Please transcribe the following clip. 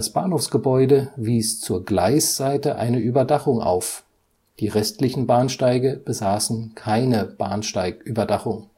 Bahnhofsgebäude wies zur Gleisseite eine Überdachung auf, die restlichen Bahnsteige besaßen keine Bahnsteigüberdachung